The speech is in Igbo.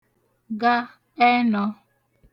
ga ẹnọ̄